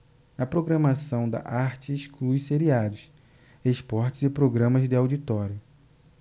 a programação da arte exclui seriados esportes e programas de auditório